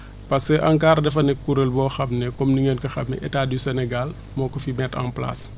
parce que ANCAr dafa nekk kuréel boo xam ne comme ni ngeen ko xamee état du Sénégal moo ko fi mettre en place